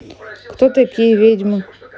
кто такие ведьмы